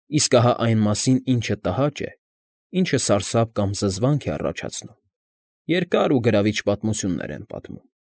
Իսկ ահա այն մասին, ինչը տհաճ է, ինչը սարսափ կամ զզվանք է առաջացնում, երկար ու գրավիչ պատմություններ են պատմում։